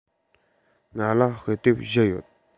ང ལ དཔེ དེབ བཞི ཡོད